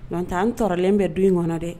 Donc tɛ an tɔlen bɛ don in kɔnɔ dɛ